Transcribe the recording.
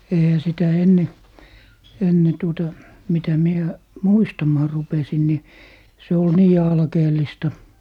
eihän sitä ennen ennen tuota mitä minä muistamaan rupesin niin se oli niin alkeellista